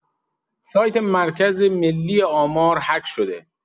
سایت مرکز ملی آمار هک شده!